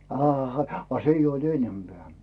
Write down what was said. aha a se ei ollut enempää